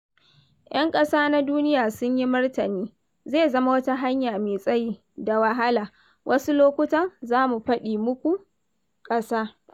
‘Yan ƙasa na duniya sun yi martani: Zai zama wata hanya mai tsayi da wahala - wasu lokutan za mu faɗi muka kasa.